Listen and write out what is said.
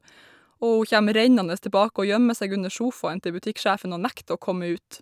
Og hun kjem rennende tilbake og gjemmer seg under sofaen til butikksjefen og nekter å komme ut.